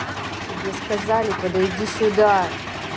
тебе сказали подойди сюда